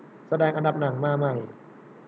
แสดงอันดับหนังมาใหม่